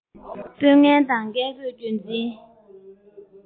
དཔོན ངན དང བཀས བཀོད རྒྱུད འཛིན